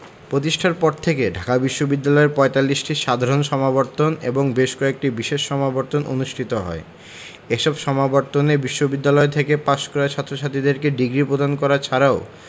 প্রতিষ্ঠার পর থেকে ঢাকা বিশ্ববিদ্যালয়ে ৪৫টি সাধারণ সমাবর্তন এবং বেশ কয়েকটি বিশেষ সমাবর্তন অনুষ্ঠিত হয় এসব সমাবর্তনে বিশ্ববিদ্যালয় থেকে পাশ করা ছাত্রছাত্রীদের ডিগ্রি প্রদান করা ছাড়াও